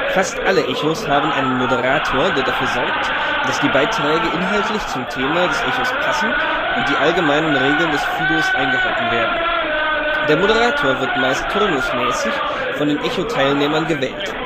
Fast alle Echos haben einen Moderator, der dafür sorgt, dass die Beiträge inhaltlich zum Thema des Echos passen und die allgemeinen Regeln des Fidos eingehalten werden. Der Moderator wird meist turnusmäßig von den Echo-Teilnehmern gewählt